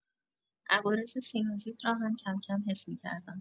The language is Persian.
عوارض سینوزیت را هم کم‌کم حس می‌کردم.